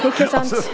ikke sant.